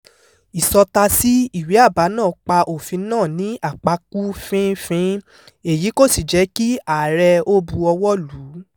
Ìsọtasí ìwé àbá náà pa òfin náà ní àpakú finínfinfín — èyí kò sì jẹ́ kí ààrẹ ó bu ọwọ́ lù ú.